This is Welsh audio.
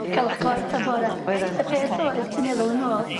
I ca'l 'ych cloi tan bora. Oeddan. Y peth oedd ti'n meddwl yn ôl